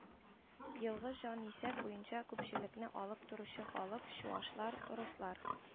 Елгы җанисәп буенча күпчелекне алып торучы халык: чуашлар, руслар